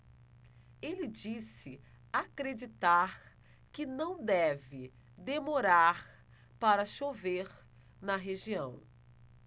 ele disse acreditar que não deve demorar para chover na região